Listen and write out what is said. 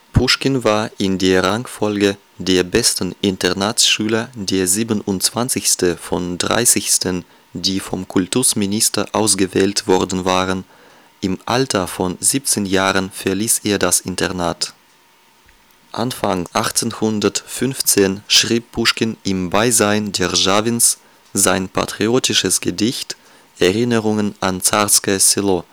Puschkin war in der Rangfolge der besten Internatsschüler der 27. von 30, die vom Kultusminister ausgewählt worden waren. Im Alter von 17 Jahren verließ er das Internat. Anfang 1815 schrieb Puschkin im Beisein G. R. Derschawins sein patriotisches Gedicht Erinnerungen an Zarskoje Selo